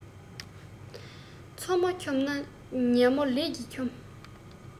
མཚོ མོ འཁྱོམས ན ཉ མོ ལས ཀྱིས འཁྱོམ